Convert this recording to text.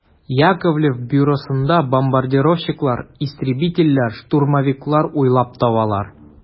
Яковлев бюросында бомбардировщиклар, истребительләр, штурмовиклар уйлап табалар.